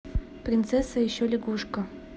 принцесса еще лягушка